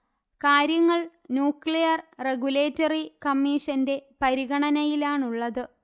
കാര്യങ്ങൾ nuclear regulatory കമ്മീഷന്റെ പരിഗണനയിലാണുള്ളത്